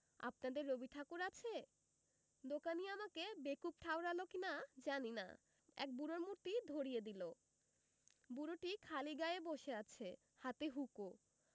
আপনাদের রবিঠাকুর আছে দোকানী অমিকে বেকুব ঠাওড়ালী কিনা জানিনা এক বুড়োর মতী ধরিয়ে দিল বুড়োটি খালি গায়ে বসে আছে হাতে হুঁকো